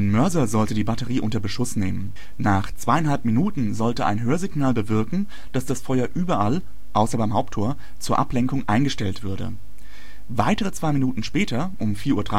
Mörser sollte die Batterie unter Beschuss nehmen. Nach zweieinhalb Minuten sollte ein Hörsignal bewirken, dass das Feuer überall, außer beim Haupttor, zur Ablenkung, eingestellt würde. Weitere zwei Minuten später, um 4:30 Uhr, als